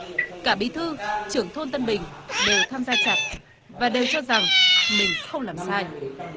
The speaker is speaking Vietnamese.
cả bí thư trưởng thôn tân bình đều tham gia chặt và đều cho rằng mình không làm sai